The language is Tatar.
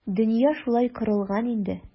Дөнья шулай корылган инде.